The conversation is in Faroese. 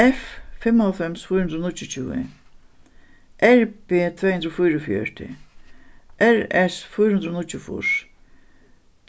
f fimmoghálvfems fýra hundrað og níggjuogtjúgu r b tvey hundrað og fýraogfjøruti r s fýra hundrað og níggjuogfýrs